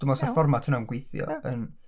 Dwi'n meddwl sa'r fformat yna'n gweithio yn...